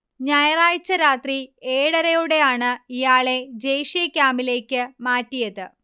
ഞായറാഴ്ച രാത്രി ഏഴരയോടെയാണ് ഇയാളെ ജെയ്ഷെ ക്യാമ്പിലേക്ക് മാറ്റിയത്